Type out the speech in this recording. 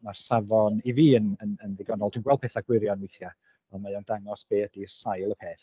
Ma'r safon i fi yn yn yn ddigonol. Dwi'n gweld pethau gwirion weithiau ond mae o'n dangos be ydy sail y peth.